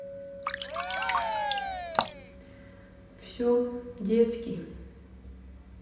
все детский